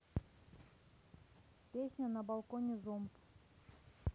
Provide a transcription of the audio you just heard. песня на балконе зомб